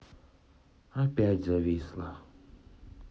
опять зависла